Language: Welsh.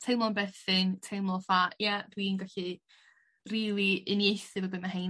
teimlo'n berthyn teimlo 'tha ie dwi'n gallu rili uniaethu 'fo be' ma' 'hein